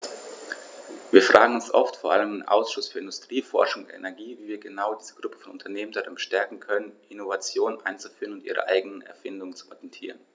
Wir fragen uns oft, vor allem im Ausschuss für Industrie, Forschung und Energie, wie wir genau diese Gruppe von Unternehmen darin bestärken können, Innovationen einzuführen und ihre eigenen Erfindungen zu patentieren.